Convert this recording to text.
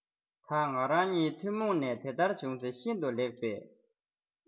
ད ང རང གཉིས ཐུན མོང ནས དེ ལྟར བྱུང ཚེ ཤིན ཏུ ལེགས པས